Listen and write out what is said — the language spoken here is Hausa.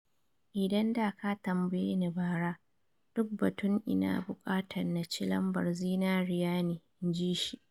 “Idan da ka tambayeni bara, duk batun ‘ina bukatan na ci lambar zinariya ne’, inji shi.